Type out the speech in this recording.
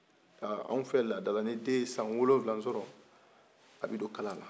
anw fɛ ladala ni den san wolonwula sɔrɔ a bi don kalan na